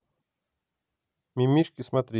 мимимишки смотреть